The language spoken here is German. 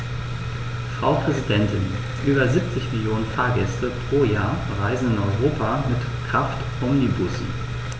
Frau Präsidentin, über 70 Millionen Fahrgäste pro Jahr reisen in Europa mit Kraftomnibussen.